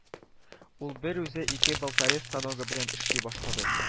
Ул берүзе ике болторез станогы белән эшли башлады